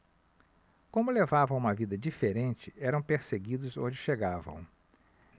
como levavam uma vida diferente eram perseguidos onde chegavam